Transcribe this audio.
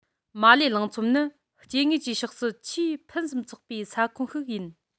མ ལེ གླིང ཚོམ ནི སྐྱེ དངོས ཀྱི ཕྱོགས སུ ཆེས ཕུན སུམ ཚོགས པའི ས ཁོངས ཤིག ཡིན